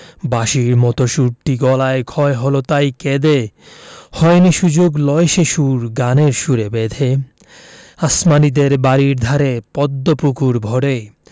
বাঁশির মতো সুরটি গলায় ক্ষয় হল তাই কেঁদে হয়নি সুযোগ লয় সে সুর গানের সুরে বেঁধে আসমানীদের বাড়ির ধারে পদ্ম পুকুর ভরে